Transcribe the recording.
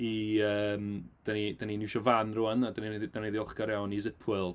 i yym... dan ni dan ni'n iwsio fan rŵan, a dan ni dan ni'n ddiolchgar iawn i Zipworld.